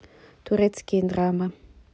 турецкие драмы